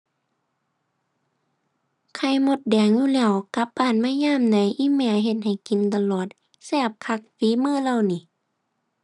ไข่มดแดงอยู่แล้ว กลับบ้านมายามใดอิแม่เฮ็ดให้กินตลอด แซ่บคักฝีมือเลานี่